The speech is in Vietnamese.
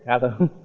dạ vâng